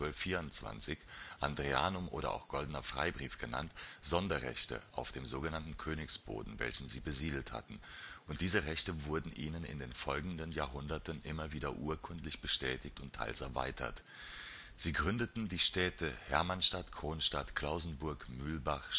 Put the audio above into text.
1224 (Andreanum oder auch Goldener Freibrief genannt) Sonderrechte auf dem sog. Königsboden, welchen sie besiedelt hatten (und diese Rechte wurden ihnen in den folgenden Jahrhunderten immer wieder urkundlich bestätigt und teils erweitert). Sie gründeten die Städte Hermannstadt, Kronstadt, Klausenburg, Mühlbach